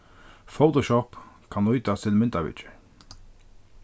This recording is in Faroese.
photoshop kann nýtast til myndaviðgerð